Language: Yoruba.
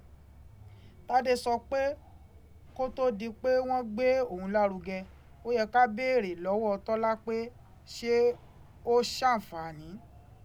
Tádé sọ pé kó tó di pé wọ́n gbé òun lárugẹ, ó yẹ ká béèrè lọ́wọ́ Tọ́lá pé ṣé ó ṣàǹfààní?